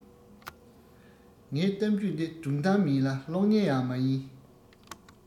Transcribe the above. ངའི གཏམ རྒྱུད འདི སྒྲུང གཏམ མིན ལ གློག བརྙན ཡང མ ཡིན